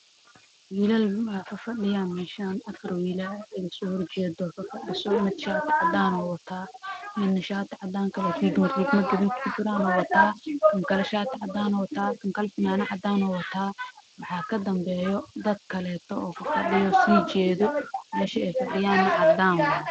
Meshan waxaa fadhiya afar wiil